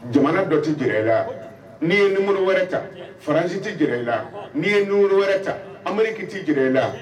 Jamana dɔ tɛ jɛnɛ e la n yeumunu wɛrɛ ta faransi tɛ jɛnɛ e la n'i yeumunu wɛrɛ ta anriki tɛ jɛnɛ i la